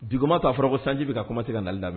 Duguma'a fɔra ko sanjibi ka kumama se ka nalida